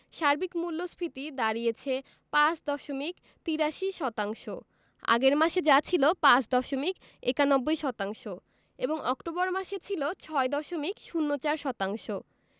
সার্বিক মূল্যস্ফীতি দাঁড়িয়েছে ৫ দশমিক ৮৩ শতাংশ আগের মাসে যা ছিল ৫ দশমিক ৯১ শতাংশ এবং অক্টোবর মাসে ছিল ৬ দশমিক ০৪ শতাংশ